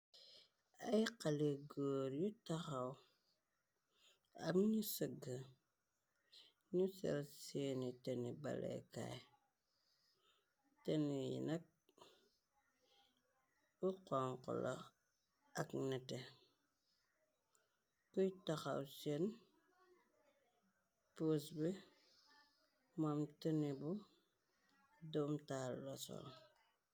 Ay xale góor yu taxaw, am ñu sëgg, ñu sol seeni teni balekaay, tene yi nak bu xonxu la ak nete, kuy taxaw seen pos be moom tene bu doomtaal la sol.